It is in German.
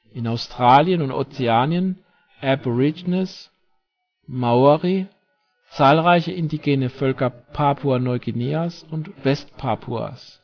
in Australien und Ozeanien: Aborigines, Maori, zahlreiche indigene Völker Papua-Neuguineas und West-Papuas